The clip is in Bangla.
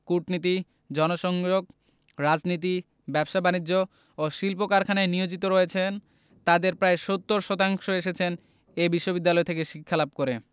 কূটনীতি জনসংযোগ রাজনীতি ব্যবসা বাণিজ্য ও শিল্প কারখানায় নিয়োজিত রয়েছেন তাঁদের প্রায় ৭০ শতাংশ এসেছেন এ বিশ্ববিদ্যালয় থেকে শিক্ষালাভ করে